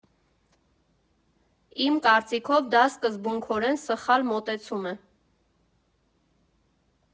Իմ կարծիքով՝ դա սկզբունքորեն սխալ մոտեցում է.